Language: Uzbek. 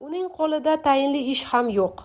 uning qo'lida tayinli ish ham yo'q